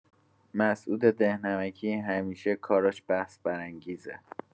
مسعود ده‌نمکی همیشه کاراش بحث‌برانگیزه.